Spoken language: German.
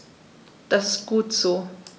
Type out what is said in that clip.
Das ist gut so.